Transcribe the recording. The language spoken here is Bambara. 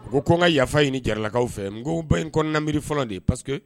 U ko ka yafa ɲini ni jaralakaw fɛ n ko ba in kɔnɔna nabri fɔlɔ de ye pa que